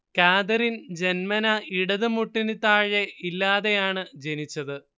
Catherine ജന്മനാ ഇടത് മുട്ടിന് താഴെ ഇല്ലാതെയാണ് ജനിച്ചത്